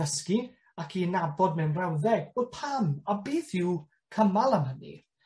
dysgu ac i nabod mewn brawddeg. Wel pam? A beth yw cymal am hynny?